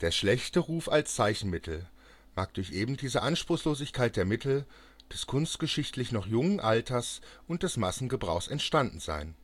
schlechte Ruf als Zeichenmittel mag durch eben diese Anspruchslosigkeit der Mittel, des kunstgeschichtlich noch jungen Alters und des Massengebrauchs entstanden sein